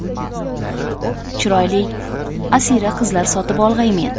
chiroylik asira qizlar sotib olg'aymen